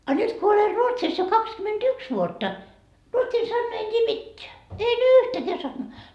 a nyt kun olen Ruotsissa jo kaksikymmentäyksi vuotta ruotsin sanaa en tiedä mitään en yhtäkään sanaa